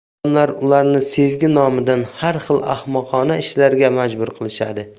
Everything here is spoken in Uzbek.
odamlar ularni sevgi nomidan har xil ahmoqona ishlarga majbur qilishadi